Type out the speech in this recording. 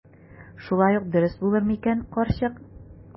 Шулай ук дөрес булыр микән, карчык?